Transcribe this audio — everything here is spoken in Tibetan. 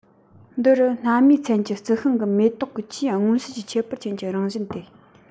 འདི རུ སྣ མའི ཚན གྱི རྩི ཤིང གི མེ ཏོག གི ཆེས མངོན གསལ གྱི ཁྱད པར ཅན གྱི རང བཞིན ཏེ